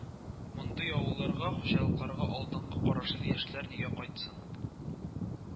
Мондый авылларга, хуҗалыкларга алдынгы карашлы яшьләр нигә кайтсын